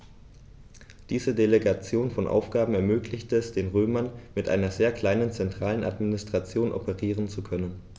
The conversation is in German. Diese Delegation von Aufgaben ermöglichte es den Römern, mit einer sehr kleinen zentralen Administration operieren zu können.